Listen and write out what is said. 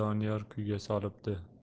doniyor kuyga solibdi